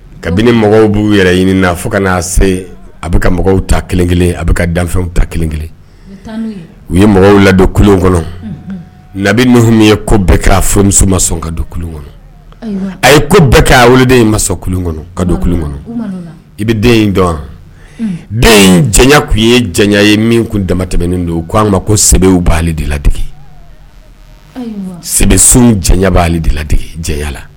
Kabini mɔgɔw b'u yɛrɛ ɲini na fo kana se a bɛ ka mɔgɔw ta kelenkelen a bɛ ka danw ta kelen kelen u ye mɔgɔw ladon kɔnɔ nabi ye ko bɛɛ kɛra furumuso ma sɔn ka don kɔnɔ a ye ko bɛɛ kɛ a weeleden in masa kɔnɔ ka don kɔnɔ i bɛ den in dɔn den in diɲɛɲa kun ye ja ye min kun dama tɛmɛnen don k'a ma ko sɛbɛnw b' de lade sebe sun jan bale de la jala